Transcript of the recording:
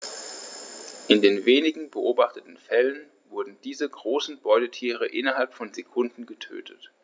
In den wenigen beobachteten Fällen wurden diese großen Beutetiere innerhalb von Sekunden getötet.